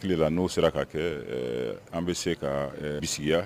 N hakila n'o sera k'a kɛ ɛɛ an bɛ se ka ɛɛ bisikiya